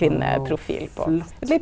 wow flott.